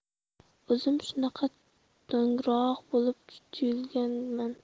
o'zim shunaqa to'ngroq bo'lib tug'ilganman